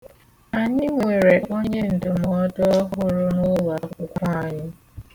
Anyị nwere onyendụmọdụ ọhụrụ n'ụlọakwụkwọ anyị.